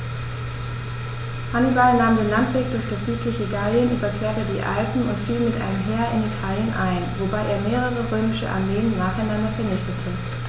Hannibal nahm den Landweg durch das südliche Gallien, überquerte die Alpen und fiel mit einem Heer in Italien ein, wobei er mehrere römische Armeen nacheinander vernichtete.